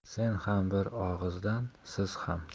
sen ham bir og'izdan siz ham